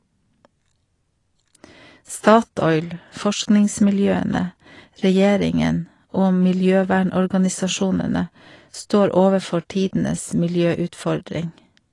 Statoil, forskningsmiljøene, regjeringen og miljøvernorganisasjonene står overfor tidenes miljøutfordring.